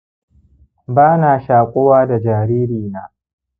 bana shakuwa da jariri na